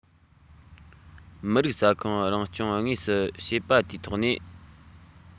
མི རིགས ས ཁོངས རང སྐྱོང དངོས སུ བྱེད པ དེའི ཐོག ནས